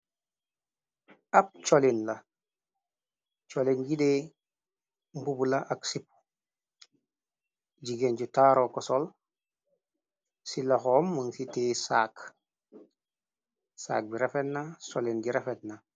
Ab cholin la cholin gide mbubula ak sip jigéen cu taaro ko sol ci laxoom mën ci tee aksaag bi refetna solen gi refetna.